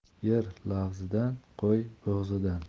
er lafzidan qo'y bo'g'zidan